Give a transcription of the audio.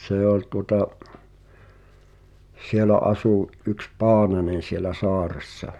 se oli tuota siellä asui yksi Paananen siellä saaressa